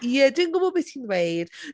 Ie dwi'n gwybod be ti'n ddweud.